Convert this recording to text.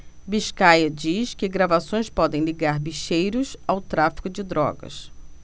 biscaia diz que gravações podem ligar bicheiros ao tráfico de drogas